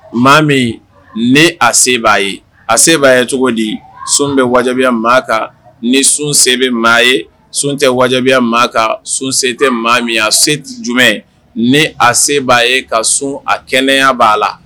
Maa min ne a se b'a ye a se b'a ye cogo di sun bɛ wajibiya maa kan ni sun sen bɛ maa ye sun tɛ wajibiya maa kan sun se tɛ maa min a se tɛ jumɛn ne a se b'a ye ka sun a kɛnɛya b'a a la